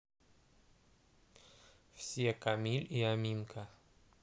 все камиль и аминка